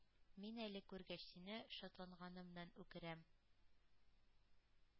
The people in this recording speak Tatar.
Мин әле, күргәч сине, шатланганымнан үкерәм.